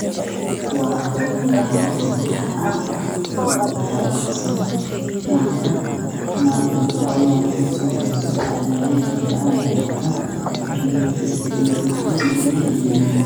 Waa laba islaan oo mid gaari gacan wadato xijaabkooduna waa cagaar iyo guduud dhulka waa laamiWaa laba islaan oo mid gaari gacan wadato xijaabkooduna waa cagaar iyo guduud dhulka waa laami